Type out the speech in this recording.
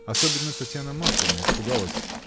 Особенно Татьяна Марковна испугалась.